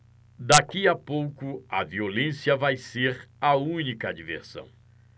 daqui a pouco a violência vai ser a única diversão